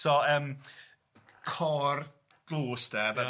So yym côr, dlws de... Ia